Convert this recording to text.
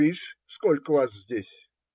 - Видишь, сколько вас здесь.